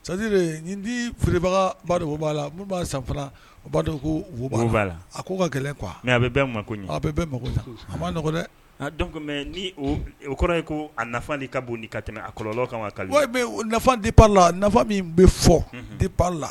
Sadiri nin dibaga ba b'a la b'a sanfɛ o kobaa la a ko ka gɛlɛn kuwa mɛ a bɛ bɛn a bɛ mako a' nɔgɔɔgɔ dɛ ni o ye ko a nafa ka bon di ka tɛmɛ a kɔlɔ kama nafa di la nafa min bɛ fɔ di pan la